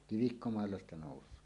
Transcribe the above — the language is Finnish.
kivikkomaalla sitä nousee